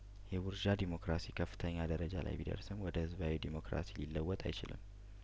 የቡርዣ ዴሞክራሲ ከፍተኛ ደረጃ ላይ ቢደርስም ወደ ህዝባዊ ዴሞክራሲ ሊለወጥ አይችልም